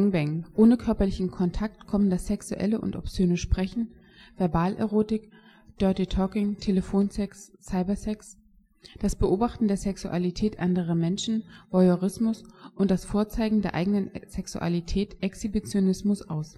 Bang). Ohne körperlichen Kontakt kommen das sexuelle und obszöne Sprechen (Verbalerotik, Dirty Talking, Telefonsex, Cybersex), das Beobachten der Sexualität anderer Menschen (Voyeurismus) und das Vorzeigen der eigenen Sexualität (Exhibitionismus) aus